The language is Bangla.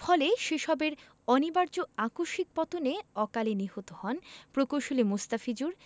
ফলে সে সবের অনিবার্য আকস্মিক পতনে অকালে নিহত হন প্রকৌশলী মোস্তাফিজুর